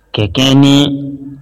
Ka kɛnɛ.